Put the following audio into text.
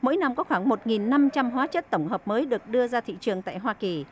mỗi năm có khoảng một nghìn năm trăm hóa chất tổng hợp mới được đưa ra thị trường tại hoa kỳ